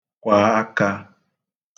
kwà akā